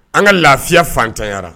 An ka lafiya fantanyara